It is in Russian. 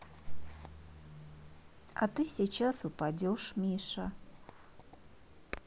а ты сейчас упадешь миша